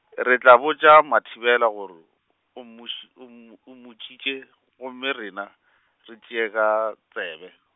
re tla botša Mathibela gore, o mmotš-, o mmo- mmotšiše gomme rena, re tšee ka, tsebe.